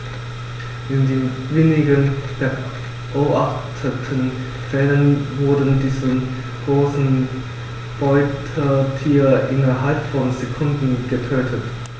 In den wenigen beobachteten Fällen wurden diese großen Beutetiere innerhalb von Sekunden getötet.